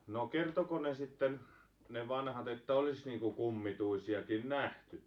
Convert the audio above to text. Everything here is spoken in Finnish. no kertoiko ne sitten ne vanhat että olisi niin kuin kummituisiakin nähty